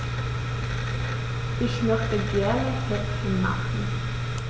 Ich möchte gerne Häppchen machen.